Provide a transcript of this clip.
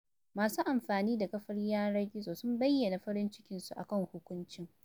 Masu amfani da kafar yanar gizo sun bayyana farin cikinsu a kan hukuncin.